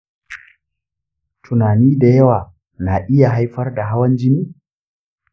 tunani da yawa na iya haifar da hawan jini?